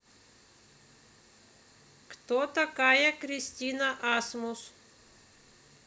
кто такая кристина асмус